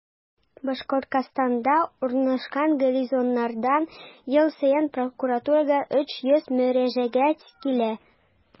Башкортстанда урнашкан гарнизоннардан ел саен прокуратурага 300 мөрәҗәгать килә.